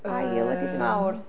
Ail ydy dydd Mawrth.